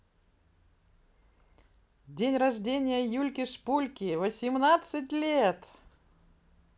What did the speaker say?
день рождения юльки шпульки восемнадцать лет